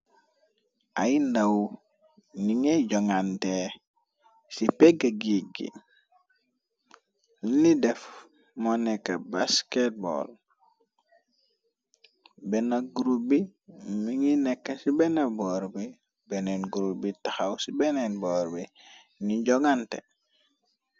Ay ndaw ni ngay jongante ci pégga giig gi lini def moo nekka basketball bénn grup bi mi ngi nekk ci bennen boor bi benneen grup bi taxaw ci beneen bor bi ni jongante.